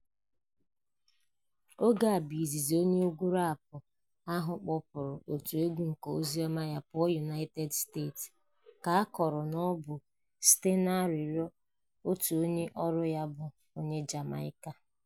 Oge a bụ izizi onye egwu raapụ ahụ kpọpụrụ òtùukwe nke oziọma ya pụọ United States, ka a kọrọ na ọ bụ site n'arịrịọ otu onye ọrụ ya bụ onye Jamaica.